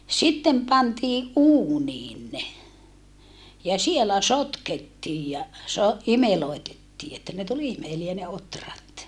sitten pantiin uuniin ne ja siellä sotkettiin ja - imelöitettiin että ne tuli imeliä ne ohrat